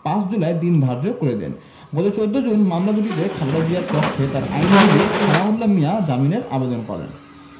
৫ July দিন ধার্য করে দেন গত ১৪ জুন মামলা দুটিতে খালেদা জিয়ার পক্ষে তার আইনজীবী সানাউল্লাহ মিয়া জামিনের আবেদন করেন